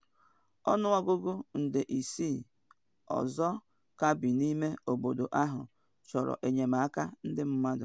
Ọnụọgụọgụ nde isii ọzọ ka bi n’ime obodo ahụ chọrọ enyemaka ndị mmadụ.